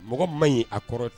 Mɔgɔ man ɲi a kɔrɔ